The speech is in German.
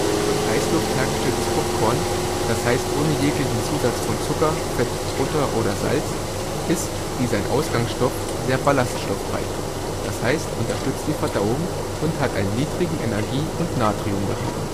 Durch Heißluft hergestelltes Popcorn – d.h. ohne jeglichen Zusatz von Zucker, Fett/Butter oder Salz – ist, wie sein Ausgangsstoff, sehr ballaststoffreich – d.h. unterstützt die Verdauung – und hat einen niedrigen Energie - und Natriumgehalt